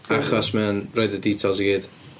Achos mae o'n rhoid y details i gyd.